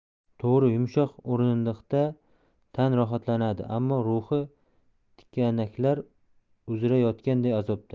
to'g'ri yumshoq o'rindiqda tan rohatlanadi ammo ruhi tikanaklar uzra yotganday azobda